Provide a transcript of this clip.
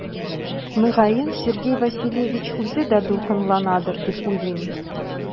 Мөгаен Сергей Васильевич үзе дә дулкынланадыр дип уйлыйм.